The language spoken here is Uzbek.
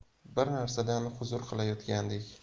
bir narsadan huzur qilayotgandek